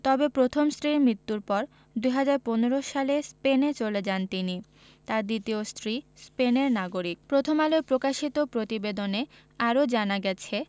তবে প্রথম স্ত্রীর মৃত্যুর পর ২০১৫ সালে স্পেনে চলে যান তিনি তাঁর দ্বিতীয় স্ত্রী স্পেনের নাগরিক প্রথম আলোয় প্রকাশিত প্রতিবেদনে আরও জানা গেছে